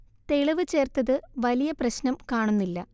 തെളിവ് ചേർത്തത് വലിയ പ്രശ്നം കാണുന്നില്ല